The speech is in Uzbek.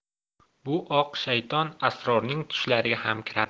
bu oq shayton asrorning tushlariga xam kiradi